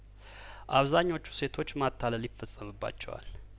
አብዛኞቹ ሴቶች ማታለል ይፈጸምባቸዋል